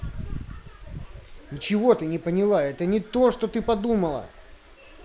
ничего ты не поняла это не то что ты подумала